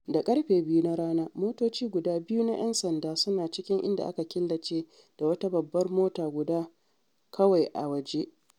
Da karfe 2 na rana motoci guda biyu na ‘yan sanda suna cikin inda aka killace da wata babbar mota guda kawai a waje.